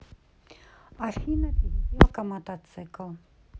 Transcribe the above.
афина переделка мотоцикл